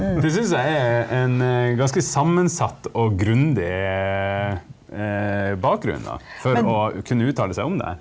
det syns jeg er en ganske sammensatt og grundig bakgrunn da for å kunne uttale seg om det her.